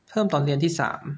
เพิ่มตอนเรียนที่สาม